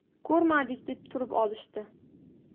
ko'rmadik deb turib olishdi